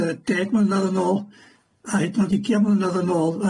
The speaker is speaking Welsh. yy deg mlynedd yn ôl a hyd yn oed ugian mlynedd yn ôl